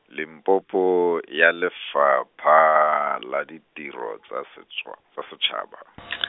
Limpopo, ya Lefapha la Ditiro tsa Setswa- Setshaba .